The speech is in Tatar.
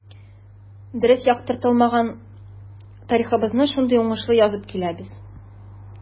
Дөрес яктыртылмаган тарихыбызны шактый уңышлы язып киләбез.